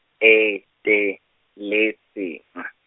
e te letseng .